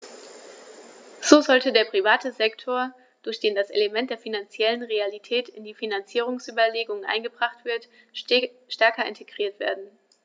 So sollte der private Sektor, durch den das Element der finanziellen Realität in die Finanzierungsüberlegungen eingebracht wird, stärker integriert werden.